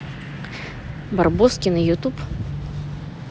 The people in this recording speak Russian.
барбоскины ютуб